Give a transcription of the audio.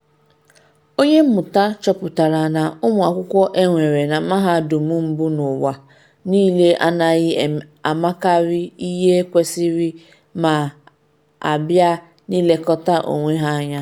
Onye mmụta chọpụtara na ụmụ akwụkwọ enwere na Mahadum mbu n’ụwa niile anaghị amakarị ihe kwesịrị ma abịa n’ilekọta onwe ha anya.